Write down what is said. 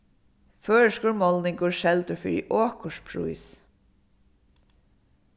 føroyskur málningur seldur fyri okursprís